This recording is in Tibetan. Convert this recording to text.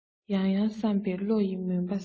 ཡང ཡང བསམ པས བློ ཡི མུན པ སངས